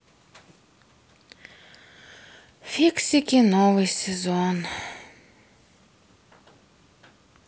фиксики новый сезон